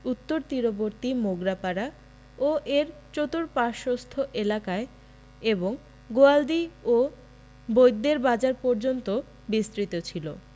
উত্তর তীরবর্তী মোগরাপাড়া ও এর চতুষ্পার্শ্বস্থ এলাকায় এবং গোয়ালদি ও বৈদ্যের বাজার পর্যন্ত বিস্তৃত ছিল